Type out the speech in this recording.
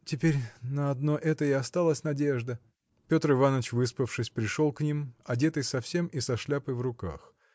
Теперь на одно это и осталась надежда. Петр Иваныч выспавшись пришел к ним одетый совсем и со шляпой в руках.